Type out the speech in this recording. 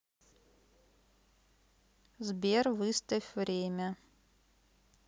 сбер выставь время